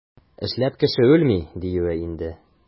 Эшләп кеше үлми, диюе инде.